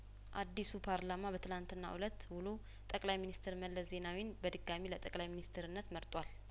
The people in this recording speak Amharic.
አዲሱ ፓርላማ በትላትናው እለት ውሎው ጠቅለይ ሚንስትር መለስ ዜናዊን በድጋሚ ለጠቅለይ ሚንስትርነት መርጧል